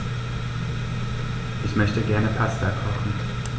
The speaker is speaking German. Ich möchte gerne Pasta kochen.